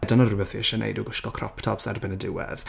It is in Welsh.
Dyna rhywbeth fi isie wneud yw wisgo crop tops erbyn y diwedd.